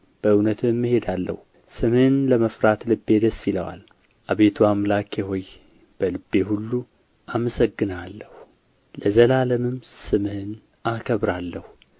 በእውነትህም እሄዳለሁ ስምህን ለመፍራት ልቤ ደስ ይለዋል አቤቱ አምላኬ ሆይ በልቤ ሁሉ አመሰግንሃለሁ ለዘላለምም ስምህን አከብራለሁ